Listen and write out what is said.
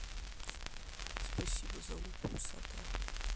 спасибо залупа усатая